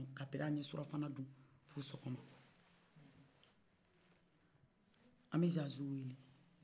ka bini an bɛ sura fana dun fo sɔgɔma an bɛ zazu wele